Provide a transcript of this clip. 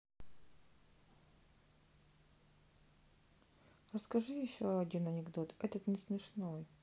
расскажи еще один анекдот этот не смешной